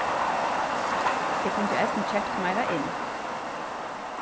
eg kundi eisini keypt meira inn